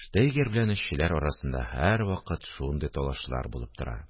Штейгер белән эшчеләр арасында һәрвакыт шундый талашлар булып тора